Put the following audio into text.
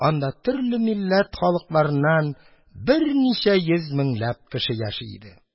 Анда төрле милләт халыкларыннан берничә йөз меңләп кеше яши иде.